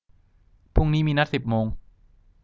พรุ่งนี้มีนัดสิบโมง